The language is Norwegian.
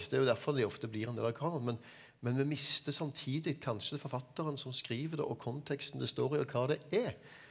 det er jo derfor de ofte blir en del av kanon men men vi mister samtidig kanskje forfatteren som skriver det og konteksten det står i og hva det er.